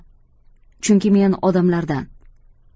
chunki men odamlardan